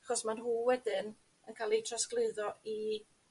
Chos ma' nhw wedyn yn ca'l eu trosglwyddo i